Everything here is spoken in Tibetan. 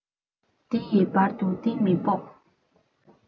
དེ ཡི བར དུ གཏིང མི དཔོགས